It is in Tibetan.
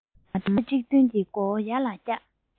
མི རྣམས མ གྲོས གཅིག མཐུན གྱིས མགོ བོ ཡར ལ བཀྱགས